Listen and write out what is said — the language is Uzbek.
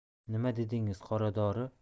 nima dedingiz qoradori